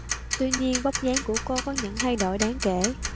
tuy nhiên vóc dáng của cô có những thay đổi đáng kể